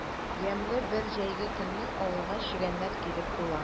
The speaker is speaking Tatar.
Ямьле бер җәйге көнне авылга чегәннәр килеп тула.